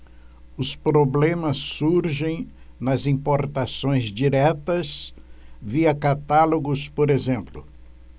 os problemas surgem nas importações diretas via catálogos por exemplo